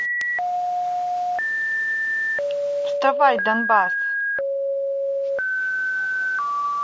вставай донбасс